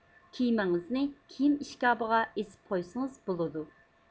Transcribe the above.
كىيىمىڭىزنى كىيىم ئىشكاپىغا ئېسىپ قويسىڭىز بولىدۇ